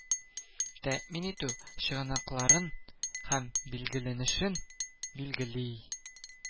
Тәэмин итү чыганакларын һәм билгеләнешен билгели